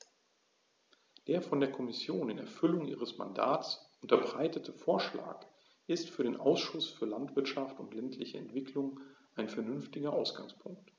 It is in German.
Der von der Kommission in Erfüllung ihres Mandats unterbreitete Vorschlag ist für den Ausschuss für Landwirtschaft und ländliche Entwicklung ein vernünftiger Ausgangspunkt.